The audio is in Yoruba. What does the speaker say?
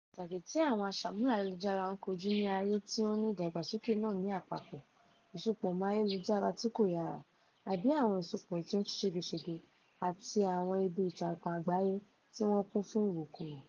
Ìṣòro kan pàtàkì tí àwọn aṣàmúlò ayélujára ń kojú ní ayé tí ó ń ní ìdàgbàsókè náà ni àpapọ̀ ìsopọ̀máyélujára tí kò yára (àbí, àwọn ìsopọ̀ tí ó ń ṣe ṣégesège) àti àwọn ibi ìtakùn àgbáyé tí wọ́n kún fún ìwòkuwò.